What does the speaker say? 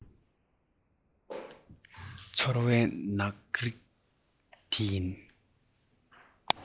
ཚོར བའི ནག རིས དེ ཡིན